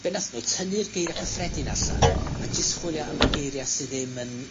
Be' nathon nw tynnu'r geiria' cyffredin allan, a jyst chwilio am y geiria' sy ddim yn,